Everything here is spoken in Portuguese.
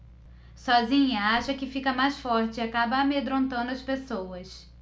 sozinha acha que fica mais forte e acaba amedrontando as pessoas